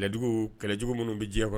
Kɛlɛjugule kɛlɛ jugu minnu bɛ diɲɛ kɔnɔ